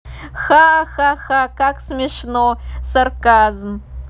ха ха ха как смешно сарказм